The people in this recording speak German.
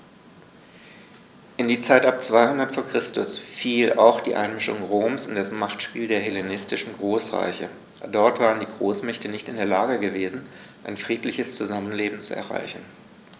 In die Zeit ab 200 v. Chr. fiel auch die Einmischung Roms in das Machtspiel der hellenistischen Großreiche: Dort waren die Großmächte nicht in der Lage gewesen, ein friedliches Zusammenleben zu erreichen.